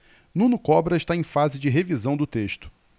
nuno cobra está em fase de revisão do texto